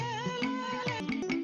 San